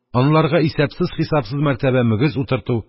Анларга исәпсез-хисапсыз мәртәбә мөгез утырту,